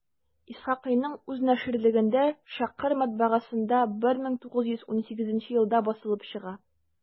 Исхакыйның үз наширлегендә «Шәрекъ» матбагасында 1918 елда басылып чыга.